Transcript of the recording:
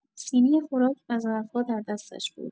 سینی خوراک و ظرف‌ها در دستش بود.